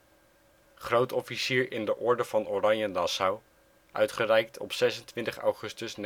Grootofficier in de Orde van Oranje-Nassau (26 augustus